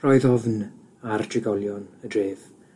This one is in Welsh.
Roedd ofn ar drigolion y dref